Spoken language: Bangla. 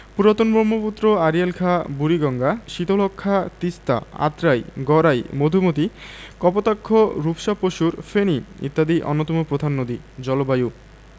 পুরাতন ব্রহ্মপুত্র আড়িয়াল খাঁ বুড়িগঙ্গা শীতলক্ষ্যা তিস্তা আত্রাই গড়াই মধুমতি কপোতাক্ষ রূপসা পসুর ফেনী ইত্যাদি অন্যতম প্রধান নদী জলবায়ুঃ